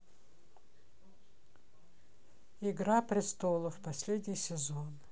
игра престолов последний сезон